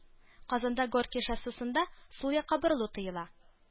Казанда Горький шоссесында сул якка борылу тыела.